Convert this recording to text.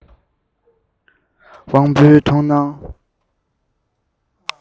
དབང པོའི མཐོང སྣང